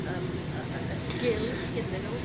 Yrm yrr y sgil sy ginddyn nhw